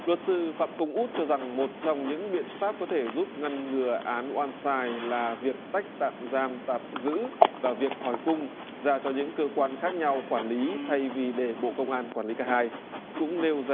luật sư phạm công út cho rằng một trong những biện pháp có thể giúp ngăn ngừa án oan sai là việc tách tạm giam tạm giữ và việc hỏi cung giao cho những cơ quan khác nhau quản lý thay vì để bộ công an quản lí cả hai cũng nêu ra